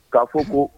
Kaa fɔ ko